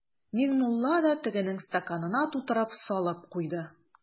Миңнулла да тегенең стаканына тутырып салып куйды.